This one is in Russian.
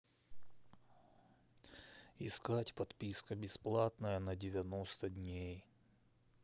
искать подписка бесплатная на девяносто дней